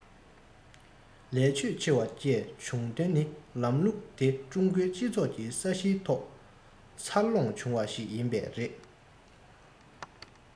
ལས ཕྱོད ཆེ བ བཅས བྱུང དོན ནི ལམ ལུགས དེ ཀྲུང གོའི སྤྱི ཚོགས ཀྱི ས གཞིའི ཐོག འཚར ལོངས བྱུང བ ཞིག ཡིན པས རེད